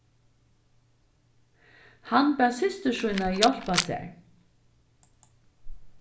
hann bað systur sína hjálpa sær